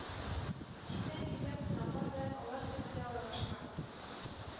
Читтән килгән кунаклар белән алар телендә аралашкан